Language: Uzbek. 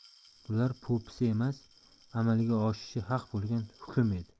bular po'pisa emas amalga oshishi haq bo'lgan hukm edi